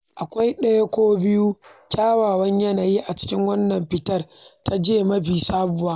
Akwai ɗaya ko biyu kyawawan yanayi a cikin wannan fitar ta JE mafi sabuwa.